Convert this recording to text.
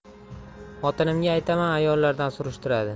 xotinimga aytaman ayollardan surishtiradi